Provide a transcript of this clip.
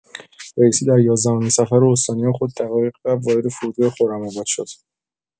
رئیسی در یازدهمین سفر استانی خود دقایقی قبل وارد فرودگاه خرم‌آباد شد.